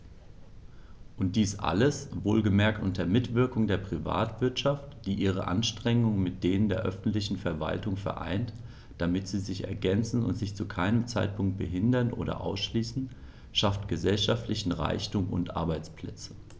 Und dies alles - wohlgemerkt unter Mitwirkung der Privatwirtschaft, die ihre Anstrengungen mit denen der öffentlichen Verwaltungen vereint, damit sie sich ergänzen und sich zu keinem Zeitpunkt behindern oder ausschließen schafft gesellschaftlichen Reichtum und Arbeitsplätze.